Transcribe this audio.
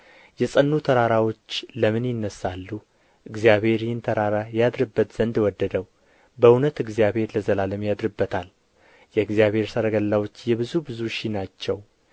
የጸኑ ተራራዎች ለምን ይነሣሉ እግዚአብሔር ይህን ተራራ ያድርበት ዘንድ ወደደው በእውነት እግዚአብሔር ለዘላለም ያድርበታል የእግዚአብሔር ሰረገላዎች የብዙ ብዙ ሺህ ናቸው